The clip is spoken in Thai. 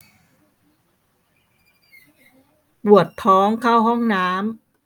ปวดท้องเข้าห้องน้ำ